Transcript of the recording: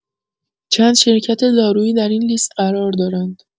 چند شرکت دارویی در این لیست قرار دارند.